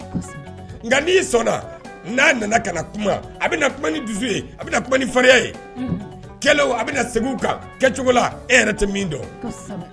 Nka n'i y'i sɔnna n' nana kuma kuma ni dusu kuma ni fa ye bɛ segu kan kɛcogo la e yɛrɛ tɛ min dɔn